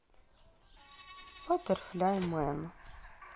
батерфляй мэн